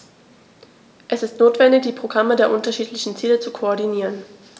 Es ist notwendig, die Programme der unterschiedlichen Ziele zu koordinieren.